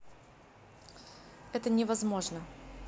это не возможно